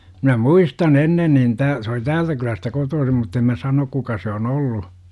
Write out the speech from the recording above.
minä muistan ennen niin tämän se oli täältä kylästä kotoisin mutta en minä sano kuka se on ollut